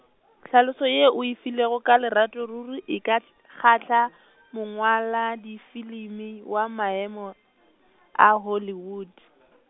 tlhaloso yeo o e filego ka lerato ruri e ka hl-, kgahla, mongwaladifilimi wa maemo, a Hollywood.